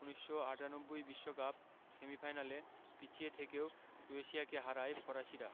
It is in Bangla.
১৯৯৮ বিশ্বকাপ সেমিফাইনালে পিছিয়ে থেকেও ক্রোয়েশিয়াকে হারায় ফরাসিরা